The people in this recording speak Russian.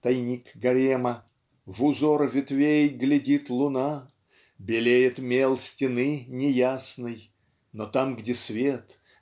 тайник гарема, В узор ветвей глядит луна. Белеет мел стены неясно. Но там. где свет